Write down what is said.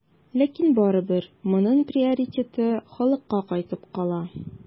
Ләкин барыбер моның приоритеты халыкка кайтып кала.